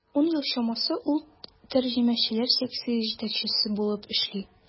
Ун ел чамасы ул тәрҗемәчеләр секциясе җитәкчесе булып эшли.